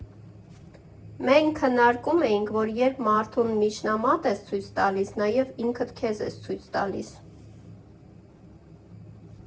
Մենք քննարկում էինք, որ երբ մարդուն միջնամատ ես ցույց տալիս, նաև ինքդ քեզ ես ցույց տալիս։